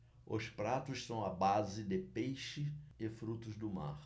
os pratos são à base de peixe e frutos do mar